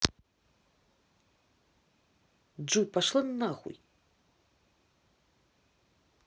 джой пошла нахуй